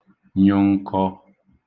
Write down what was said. nyụ̄ n̄kọ̄